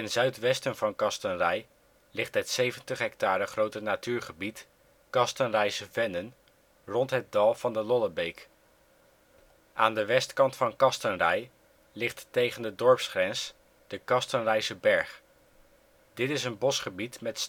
zuidwesten van Castenray ligt het 70 ha grote natuurgebied Castenrayse Vennen rond het dal van de Lollebeek. Aan de westkant van Castenray ligt tegen de dorpsgrens de ' Castenrayse Berg '. Dit is een bosgebied met